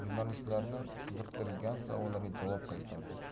qiziqtirgan savollarga javob qaytardi